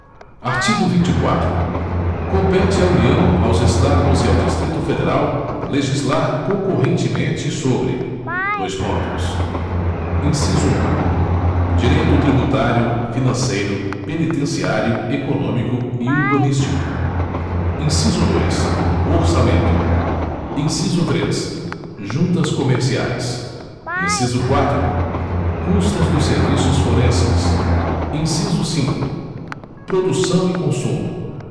artigo vinte e quatro compete à união aos estados e ao distrito federal legislar concorrentemente sobre dois pontos inciso um direito tributário financeiro penitenciário econômico e urbanístico inciso dois orçamento inciso três juntas comerciais inciso quatro custas dos serviços forenses inciso cinco produção e consumo